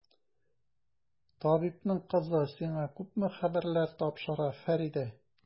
Табибның кызы сиңа күпме хәбәрләр тапшыра, Фәридә!